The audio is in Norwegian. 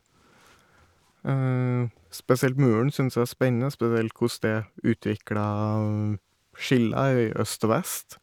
Spesielt muren syns jeg er spennende, spesielt koss det utvikla skiller i øst og vest.